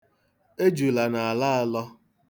Ejula na-alọ alọ.